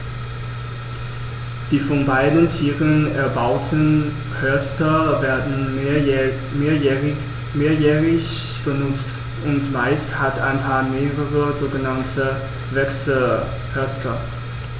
Die von beiden Tieren erbauten Horste werden mehrjährig benutzt, und meist hat ein Paar mehrere sogenannte Wechselhorste.